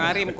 waaw rime ko